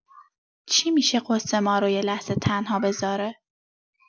چی می‌شه غصه مارو یه لحظه تنها بذاره؟